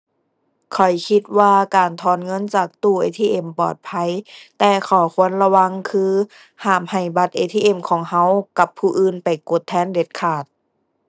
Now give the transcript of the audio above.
ข้อยคิดว่าการถอนเงินจากตู้ ATM ปลอดภัย แต่ข้อควรระวัง คือ ห้ามให้บัตร ATM ของเรากับผู้อื่นไปกดแทนเด็ดขาด